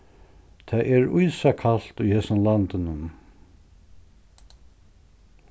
tað er ísakalt í hesum landinum